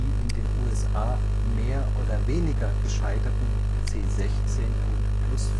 in den USA mehr oder weniger gescheiterten C16 und Plus/4